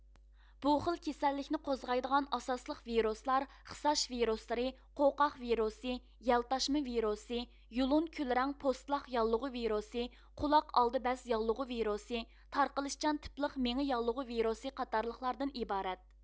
بۇ خىل كېسەللىكنى قوزغايدىغان ئاساسلىق ۋىرۇسلار خېساچ ۋىرۇسلىرى قوقاق ۋىرۇسى يەلتاشما ۋىرۇسى يۇلۇن كۈل رەڭ پوستلاق ياللۇغى ۋىرۇسى قۇلاق ئالدى بەز ياللۇغى ۋىرۇسى تارقىلىشچان تىپلىق مېڭە ياللۇغى ۋىرۇسى قاتارلىقلاردىن ئىبارەت